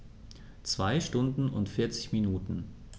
2 Stunden und 40 Minuten